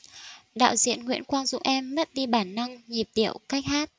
đạo diễn nguyễn quang dũng em mất đi bản năng nhịp điệu cách hát